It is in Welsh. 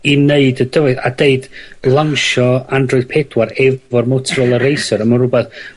i neud y dywydd a deud lawnsio Android pedwar efo'r Motorolla Razer a ma' rwbath